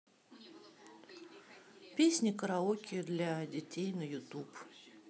песни караоке для детей на ютуб